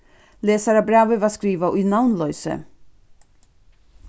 lesarabrævið varð skrivað í navnloysi